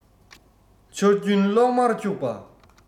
ཆར རྒྱུན གློག དམར འཁྱུག པ